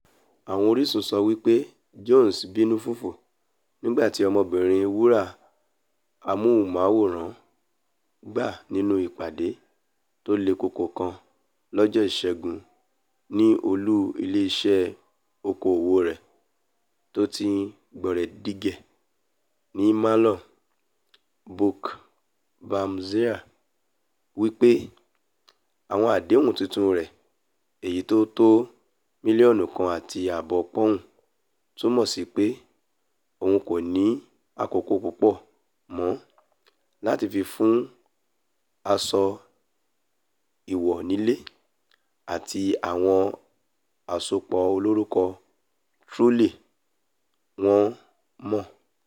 Àwọn orísun sọ wípé Jones ''bínù fùfù'' nígbà tí ọmọbìnrin wúrà amóhὺnmawòràn gbà nínú ìpàdé tó le koko kan lọ́jọ́ Ìṣẹ́gun ní olú ilé-iṣẹ́ oko-òwò rẹ̀ toti gbọ̀rẹ̀gẹ̀digẹ̀ ní Marlow, Buckinghamshire. wípé àwọn àdéhùn tuntun rẹ̀ - èyití ó tó mílíọ̀nù kan àti ààbọ̀ pọ́ùn - túmọ̀ sípé òhun kòní àkókò púpò mọ́ láti fi fún asọ íwọ̀ nílé àti àwọn àsopọ̀ olórúkọ Truly wọn mọ́.